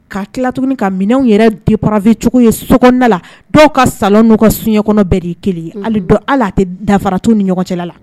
Ka tila tuguni ka minɛnw yɛrɛ depbecogo ye soda la dɔw ka sa n' ka sunjataɲɛ kɔnɔ bɛɛ' kelen ye hali don ala a tɛ dafaratu ni ɲɔgɔn cɛ la